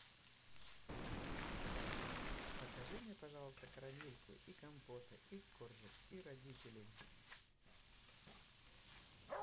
покажи мне пожалуйста карамельку и компота и коржик и родители